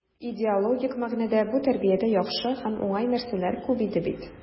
Идеологик мәгънәдә бу тәрбиядә яхшы һәм уңай нәрсәләр күп иде бит.